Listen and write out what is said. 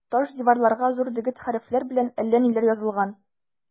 Таш диварларга зур дегет хәрефләр белән әллә ниләр язылган.